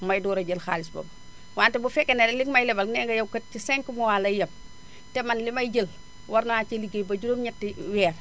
may door a jël xaalis boobu wante bu fekkee ne li nga may lebal nee nga yow kay ci 5 mois lay yem te man li may jël war naa cee ligéey ba juróom ñetti weer